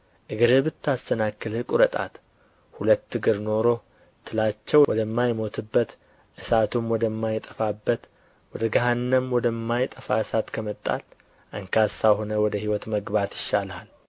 እግርህ ብታሰናክልህ ቍረጣት ሁለት እግር ኖሮህ ትላቸው ወደማይሞትበት እሳቱም ወደማይጠፋበት ወደ ገሃነም ወደማይጠፋ እሳት ከመጣል አንካሳ ሆነህ ወደ ሕይወት መግባት ይሻልሃል